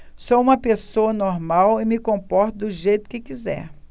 sou homossexual e me comporto do jeito que quiser